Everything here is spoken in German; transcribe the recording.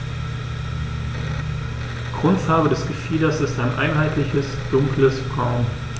Grundfarbe des Gefieders ist ein einheitliches dunkles Braun.